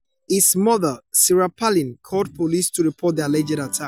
His mother, Sarah Palin, called police to report the alleged attack.